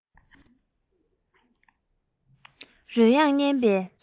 རོལ དབྱངས ཉན པའི